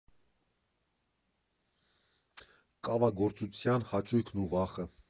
Կավագործության հաճույքն ու վախը։